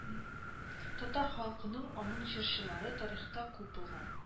Татар халкының аның җырчылары тарихта күп булган